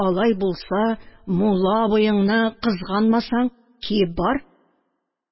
Алай булса, мулла абыеңны кызганмасаң – киеп бар